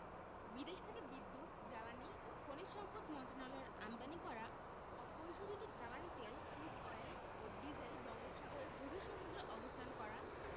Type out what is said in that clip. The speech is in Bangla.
বিদেশ থেকে বিদ্যুৎ জ্বালানি ও খনিজ সম্পদ মন্ত্রণালয়ের আমদানি করা অপরিশোধিত জ্বালানি তেল ক্রুড অয়েল ও ডিজেল বঙ্গোপসাগরের গভীর সমুদ্রে অবস্থান করা